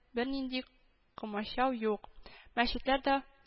Бернинди комачау юк, мәчетләр дә